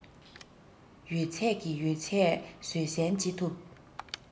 ཡོད ཚད ཀྱི ཡོད ཚད བཟོད བསྲན བྱེད ཐུབ